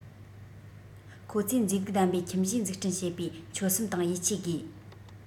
ཁོ ཚོས མཛེས སྡུག ལྡན པའི ཁྱིམ གཞིས འཛུགས སྐྲུན བྱེད པའི ཆོད སེམས དང ཡིད ཆེས དགོས